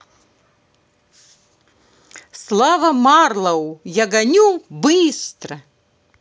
slava marlow я гоню быстро